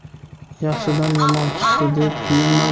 yaxshidan yomon chiqdi deb kuyinma